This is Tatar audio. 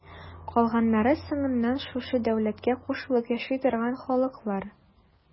Калганнары соңыннан шушы дәүләткә кушылып яши торган халыклар.